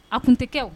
A tun tɛ kɛ